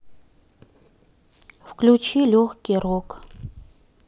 включи легкий рок